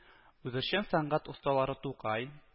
Үзешчән сәнгать осталары Тукай